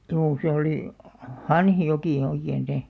juu se oli Hanhijoki oikein se